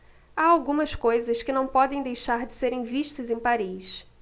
há algumas coisas que não podem deixar de serem vistas em paris